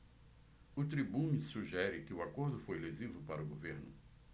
o tribune sugere que o acordo foi lesivo para o governo